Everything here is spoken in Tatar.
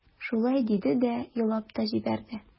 Шулай диде дә елап та җибәрде.